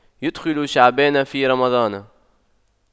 يُدْخِلُ شعبان في رمضان